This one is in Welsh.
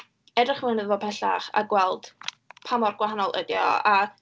Edrych mewn iddo fo pellach a gweld pa mor gwahanol ydi o, a...